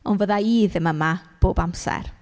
Ond fydda i ddim yma bob amser.